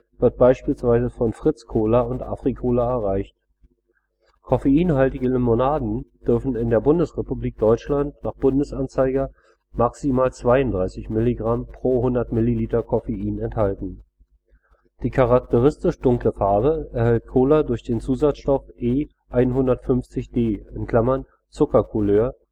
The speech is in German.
wird beispielsweise von fritz-kola und Afri-Cola erreicht. „ Coffeinhaltige Limonaden “dürfen in der Bundesrepublik Deutschland nach Bundesanzeiger maximal 32 mg/100 ml Coffein enthalten. Die charakteristisch dunkle Farbe erhält Cola durch den Zusatzstoff E 150d (Zuckercouleur